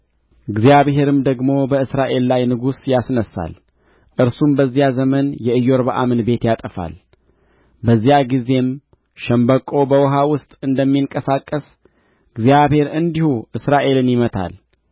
እግዚአብሔርም ደግሞ በእስራኤል ላይ ንጉሥ ያስነሣል እርሱም በዚያ ዘመን የኢዮርብዓምን ቤት ያጠፋል በዚያ ጊዜም ሸምበቆ በውኃ ውስጥ እንደሚንቀሳቀስ እግዚአብሔር እንዲሁ እስራኤልን ይመታል